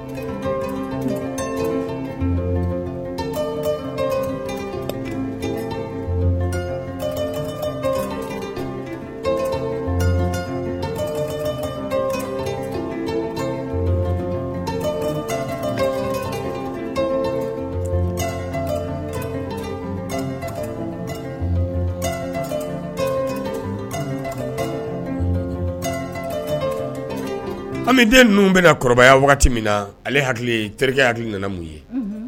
Hali den ninnu bɛna kɔrɔbayaya wagati min na ale hakili terikɛ hakili nana mun ye